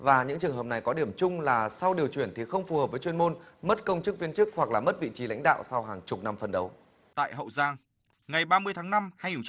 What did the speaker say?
và những trường hợp này có điểm chung là sau điều chuyển thì không phù hợp với chuyên môn mất công chức viên chức hoặc làm mất vị trí lãnh đạo sau hàng chục năm phấn đấu tại hậu giang ngày ba mươi tháng năm hai nghìn